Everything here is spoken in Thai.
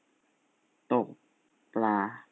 ตกปลา